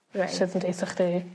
Reit. ...sydd yn deutha chdi